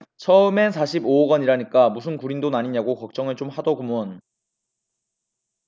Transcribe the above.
처음엔 사십 오 억원이라니까 무슨 구린 돈 아니냐고 걱정을 좀 하더구먼